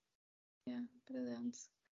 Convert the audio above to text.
Iawn. Brilliant.